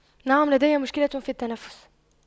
نعم لدي مشكلة في التنفس